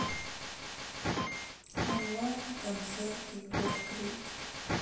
онлайн концерт егор крид